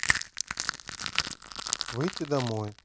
выйти домой